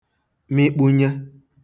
mịkpunye